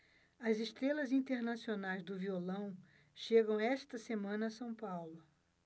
as estrelas internacionais do violão chegam esta semana a são paulo